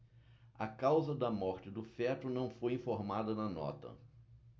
a causa da morte do feto não foi informada na nota